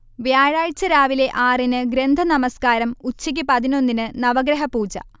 വ്യാഴാഴ്ച രാവിലെ ആറിന് ഗ്രന്ഥ നമസ്കാരം, ഉച്ചയ്ക്ക് പതിനൊന്നിന് നവഗ്രഹപൂജ